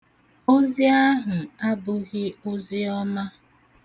Ozi ahụ abụghị ozi ọma.